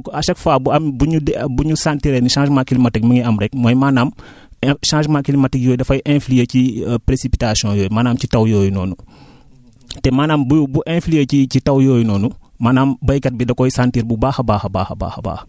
donc à chaque fois bu am bu ñu bu ñu sentir changement climatique mi ngi am rekk mooy maanaam in changement climatique yooyu dafay influer ci précipitation yooyu maanaam ci taw yooyu noonu te maanaam bu bu influer ci ci taw yooyu noonu maanaam baykat bi da koy sentir bu baax a baax a baax a baax